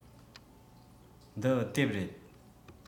འདི དེབ རེད